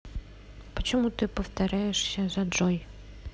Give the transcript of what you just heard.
а почему ты повторяешься за джой